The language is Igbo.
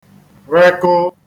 reko